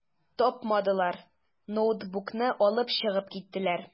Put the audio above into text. Тапмадылар, ноутбукны алып чыгып киттеләр.